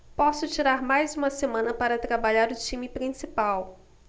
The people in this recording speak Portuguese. posso tirar mais uma semana para trabalhar o time principal